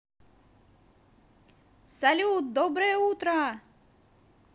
салют доброе утро